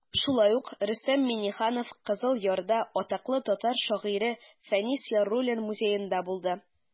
Шулай ук Рөстәм Миңнеханов Кызыл Ярда атаклы татар шагыйре Фәнис Яруллин музеенда булды.